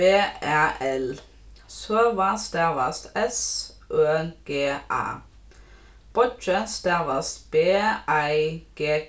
v æ l søga stavast s ø g a beiggi stavast b ei g